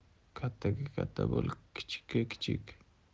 kattaga katta bo'l kichikka kichik